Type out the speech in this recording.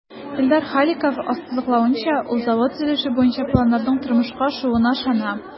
Илдар Халиков ассызыклавынча, ул завод төзелеше буенча планнарның тормышка ашуына ышана.